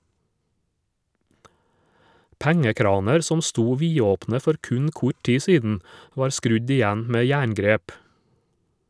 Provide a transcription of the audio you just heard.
Pengekraner som sto vidåpne for kun kort tid siden, var skrudd igjen med jerngrep.